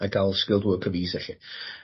A ga'l skilled worker visa 'lly.